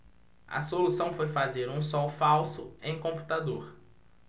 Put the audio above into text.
a solução foi fazer um sol falso em computador